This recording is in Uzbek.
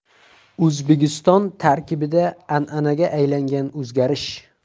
o'zbekiston tarkibida an'anaga aylangan o'zgarish